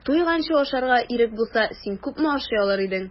Туйганчы ашарга ирек булса, син күпме ашый алыр идең?